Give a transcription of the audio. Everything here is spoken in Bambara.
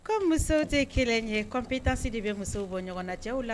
Ko musow tɛ kelen ye kɔnpi taasi de bɛ musow bɔ ɲɔgɔnna cɛ la